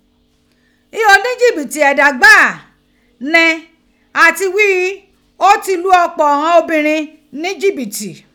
Ghi onijibiti ẹda gbaa ni ati ghii o ti lu ọpọ ighan obinrin ni jibiti.